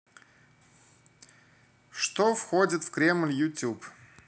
что входит в кремль youtube